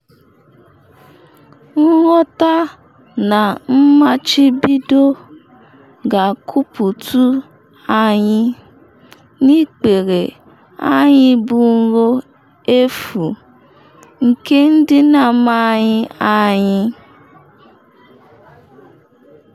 “Nghọta na mmachibido ga-akputu anyị n’ikpere anyị bụ nrọ efu nke ndị na amaghị anyị.